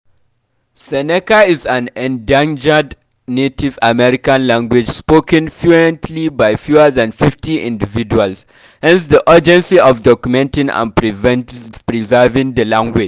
Seneca is an endangered Native American language spoken fluently by fewer than 50 individuals, hence the urgency of documenting and preserving the language.